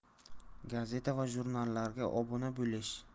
gazeta va jurnallarga obuna bo'lish